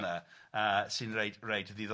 yna yy sy'n reit reit ddiddorol.